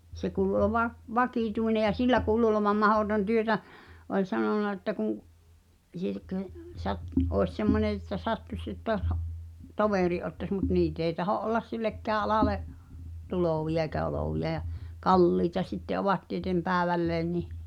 se kuului olevan vakituinen ja sillä kuului olevan mahdoton työtä oli sanonut että kun Sirkka - olisi semmoinen että sattuisi että -- toverin ottaisi mutta niitä ei tahdo olla sillekään alalle tulevia eikä olevia ja kalliita sitten ovat tieten päivälleen niin